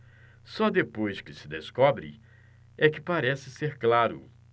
só depois que se descobre é que parece ser claro